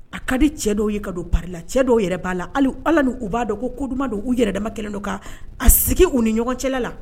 A ka di cɛ dɔw ye ka don pari la cɛ dɔw yɛrɛ b' la hali ala n' u b'a dɔn ko koduman don u yɛrɛdama kɛlen dɔ kan a sigi u ni ɲɔgɔn cɛla la